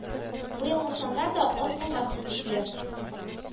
Быелгы саннар да аз булмас дип көтелә